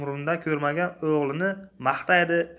umrimda ko'rmagan o'g'lini maqtaydi